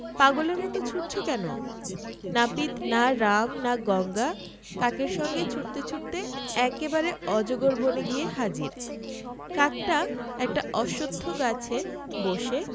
পাগলের মতো ছুটছ কেন নাপিত না রাম না গঙ্গা কাকের সঙ্গে ছুটতে ছুটতে একেবারে অজগর বনে গিয়ে হাজির কাকটা একটা অশ্বখ গাছে বসে